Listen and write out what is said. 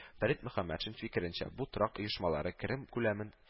Фәрит Мөхәммәтшин фикеренчә, бу торак оешмалары керем күләмен